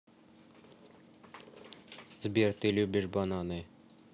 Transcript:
сбер ты любишь бананы